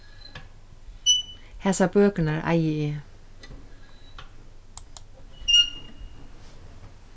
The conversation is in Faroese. hasar bøkurnar eigi eg